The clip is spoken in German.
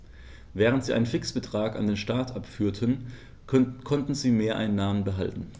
Während sie einen Fixbetrag an den Staat abführten, konnten sie Mehreinnahmen behalten.